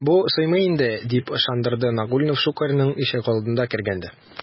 Бу суймый инде, - дип ышандырды Нагульнов Щукарьның ишегалдына кергәндә.